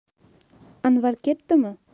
anvar ketdimi